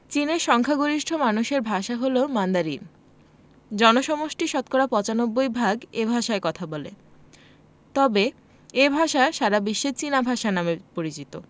চীনের সংখ্যাগরিষ্ঠ মানুষের ভাষা হলো মান্দারিন জনসমষ্টির শতকরা ৯৫ ভাগ এ ভাষায় কথা বলে তবে এ ভাষা সারা বিশ্বে চীনা ভাষা নামে পরিচিত